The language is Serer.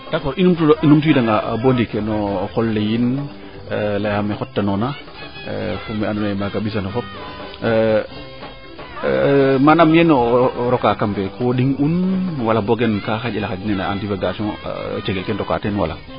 d' accord i numtu wiida nga bo ndiik no qol le yiin leyaam me xota noona fo me ando naye maaga ɓisano fop manaam yeene o roka kam fee ko ndiŋ wala boogen kaa xanjela xanj neene a jegel ke ndoka teen wala